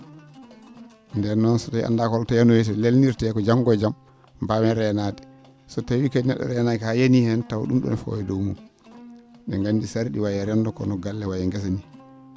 nden noon so tawii anndaaka holto yanoyta lelnirtee janngo e jam mbaawen reenaade so tawii kadi ne??o reenaaki haa yanii heen taw ?um ?oon ne fawo e dow mum e?en nganndi sar?i wayi e renndo kono galle waye ngesa nii